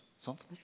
sant.